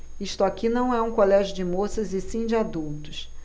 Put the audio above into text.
isto aqui não é um colégio de moças e sim de adultos